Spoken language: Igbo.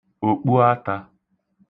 òkpuatā